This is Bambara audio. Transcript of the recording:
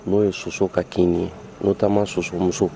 N'o ye soso ka kini ye notamment sosomuso